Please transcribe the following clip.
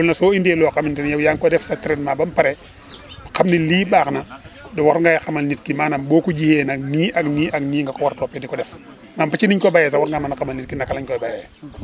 waaw loolu nag soo indee loo xamante ne yow yaa ngi ko def sa traitement ba mu pare xam ne lii baax na du war ngay xamal nit ki maanaam boo ko jiyee nag nii ak nii ak nii nga ko war a toppee di ko def maanaam ba ci ni ñu ko béyee sax war ngaa mën a xamal nit ki naka lañ koy bayee